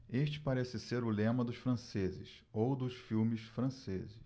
este parece ser o lema dos franceses ou dos filmes franceses